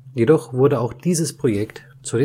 jedoch wurde auch dieses Projekt zu